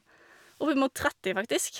Oppimot tretti, faktisk.